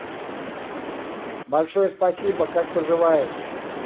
большое спасибо как поживаешь